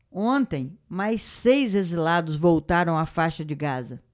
ontem mais seis exilados voltaram à faixa de gaza